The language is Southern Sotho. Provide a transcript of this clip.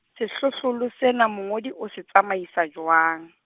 sehlohlolo sena mongodi o se tsamaisa jwang.